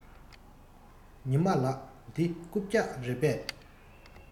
ཉི མ ལགས འདི རྐུབ བཀྱག རེད པས